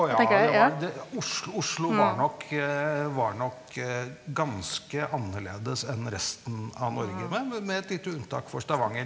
å ja ja det var Oslo var nok var nok ganske annerledes enn resten av Norge, men med et lite unntak for Stavanger.